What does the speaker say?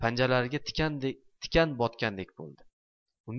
panjalariga tikan botgandek bo'ldi